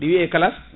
ɗi wiye kalass